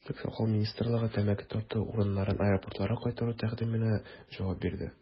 Сәламәтлек саклау министрлыгы тәмәке тарту урыннарын аэропортларга кайтару тәкъдименә җавап бирде.